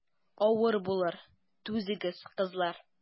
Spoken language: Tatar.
Авыр булыр, түзегез, кызлар.